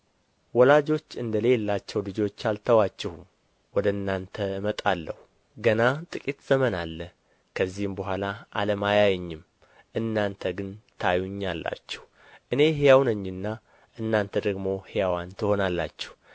ወላጆች እንደ ሌላቸው ልጆች አልተዋችሁም ወደ እናንተ እመጣለሁ ገና ጥቂት ዘመን አለ ከዚህም በኋላ ዓለም አያየኝም እናንተ ግን ታዩኛላችሁ እኔ ሕያው ነኝና እናንተ ደግሞ ሕያዋን ትሆናላችሁ